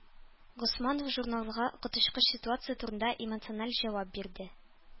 Госманов журналга коточкыч ситуация турында эмоциональ җавап бирде.